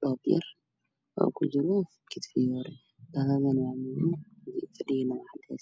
qolka waxaa ku jiro dhaladana waa madow fadhigana waa caddeeys